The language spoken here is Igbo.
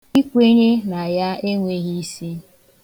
Ịkwenya na ya enweghị isi.